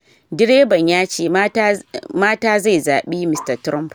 Direban ya ce mata zai zabi Mr. Trump.